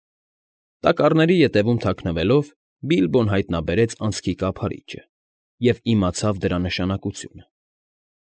Տակառների ետևում թաքնվելով՝ Բիլբոն հայտնաբերեց անցքի կափարիչը և իմացավ դրա նշանակությունը։